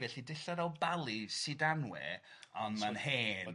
felly dillad o bali, sidanwe ond ma'n hen...